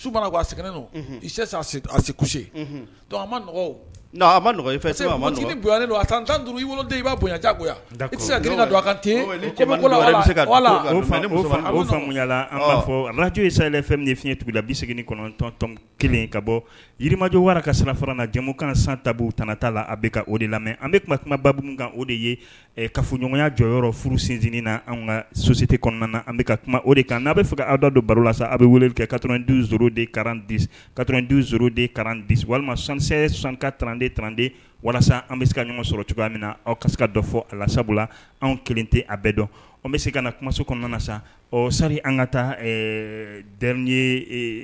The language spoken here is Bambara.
Sese ala fiɲɛ segintɔntɔn kelen ka bɔjɔ ka faramu kan san tata la a de la an kumababugu de ye ka fɔɲɔgɔnya jɔ furu sinsininin na an ka sosite kɔnɔna na an bɛ ka kuma o de kan n'a bɛ fɛ ka awda dɔ baro la sa aw bɛ weele kɛ ka deran di ka s deran di walima sankisɛ sanka tranden tranden walasa an bɛ se ka ɲɔgɔn sɔrɔ cogoya min na aw ka se ka dɔ fɔ a sabula anw kelen tɛ a bɛɛ dɔn bɛ se ka na kumaso kɔnɔna sa sari an ka taa ye